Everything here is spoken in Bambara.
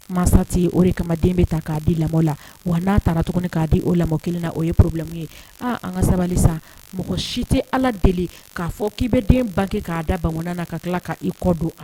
Masati o ye kamaden bɛ ta k'a di lamɔ la wa n'a taara tuguni k'a di' lamɔ kelen na o ye porobikun ye an ka sabali san mɔgɔ si tɛ ala deli k'a fɔ k'i bɛ den bange kɛ k'a da ban na ka tila k' i kɔ don